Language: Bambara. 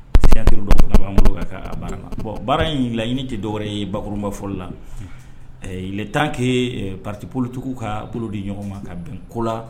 Cɛ duuru bolo baara la bɔn baara in laɲiniini tɛ dɔwɛrɛ ye bakurunba fɔlɔ la tan ke patiolitigiw ka bolo de ɲɔgɔn ma ka bɛn ko la